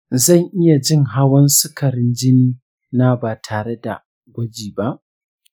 zan iya jin hawan sukarin jini na ba tare da gwaji ba?